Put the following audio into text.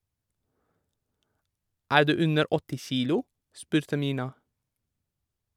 Er du under åtti kilo, spurte Myrna.